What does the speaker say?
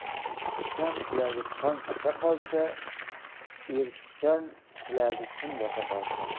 ishchan tilagi tong ota qolsa erinchak tilagi kun bota qolsa